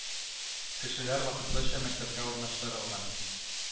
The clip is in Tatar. Кешеләр вакытлыча нчы мәктәпкә урнаштырылган